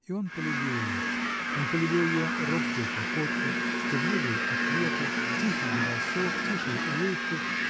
и он полюбил ее: он полюбил ее робкую походку, стыдливые ответы, тихий голосок, тихую улыбку